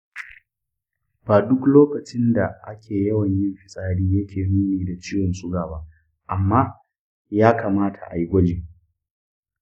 ba duk lokacin da ake yawan yin fitsari yake nuni da ciwon suga ba, amma ya kamata ayi gwaji.